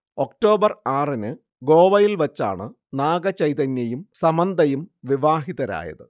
October ആറിന് ഗോവയിൽ വച്ചാണ് നാഗചൈതന്യയും സമന്തയും വിവാഹിതരായത്